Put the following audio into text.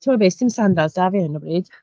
Timod be, 'sdim sandals 'da fi ar hyn o bryd.